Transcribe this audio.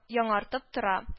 Яңартылып тора. с